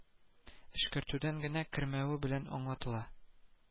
Эшкәртүдән генә кермәве белән аңлатыла